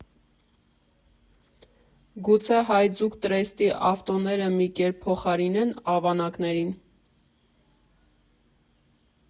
Գուցե Հայձուկտրեստի ավտոները մի կերպ փոխարինեն ավանակներին։